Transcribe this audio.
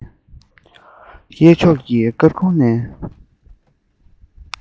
ཡལ ཕྱོགས ཀྱི སྐར ཁུང ནས